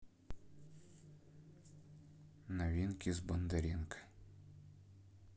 новинки с бондаренко